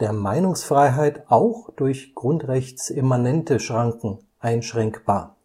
Meinungsfreiheit auch durch grundsrechtsimmanente Schranken einschränkbar